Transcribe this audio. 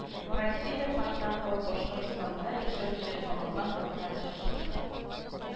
Василя Фаттахова Башкортстанда яшәүче танылган татар җырчысы